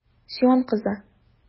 Сион кызы!